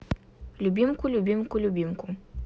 любимку любимку любимку